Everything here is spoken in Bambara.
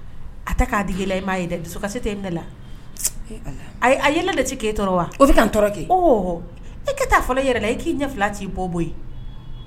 A ta ka diki la i m'a ye dɛ dusukasi tɛ ne la, ee allah a yelen de t'i k'e k'e tɔɔrɔ wa? o bɛka n tɔɔrɔ kɛ, ɔ; i ka taa fɔ e yɛrɛ la, i k'i ɲɛ fila t' ii bɔ bɔ yen !